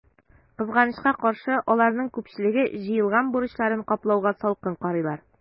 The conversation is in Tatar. Кызганычка каршы, аларның күпчелеге җыелган бурычларын каплауга салкын карыйлар.